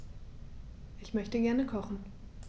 Ich möchte gerne kochen.